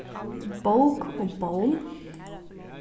bók og ból